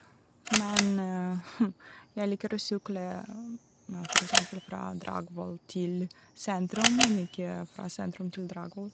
Men jeg liker å sykle, ja, for eksempel fra Dragvoll til sentrum, men ikke fra sentrum til Dragvoll.